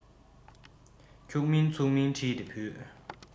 འཁྱུག མིན ཚུགས མིན བྲིས ཏེ ཕུལ